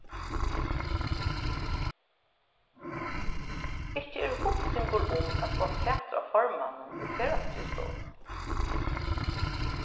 ikki er hugsingur um at fáa fatur á formanninum í ferðaskrivstovuni